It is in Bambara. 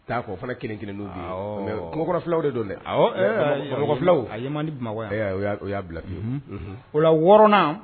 O ta kɔ o fana 1 1 ninw bɛ ye mais kungokɔnɔ fulaw de do a ye man di Bamakɔ o y'a bila pewu o la 6 nan.